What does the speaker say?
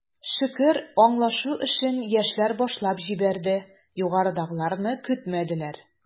Шөкер, аңлашу эшен, яшьләр башлап җибәрде, югарыдагыларны көтмәделәр.